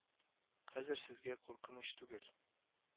Хәзер сезгә куркыныч түгел